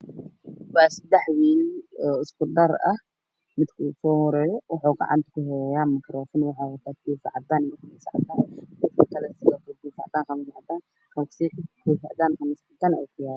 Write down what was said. Meshaan waxaa yaalo labo kiisu oo shamita cadaan ah